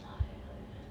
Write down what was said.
ai ai